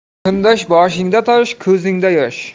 kundosh boshingda tosh ko'zingda yosh